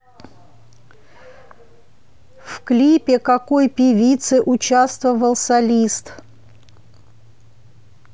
в клипе какой певицы участвовал солист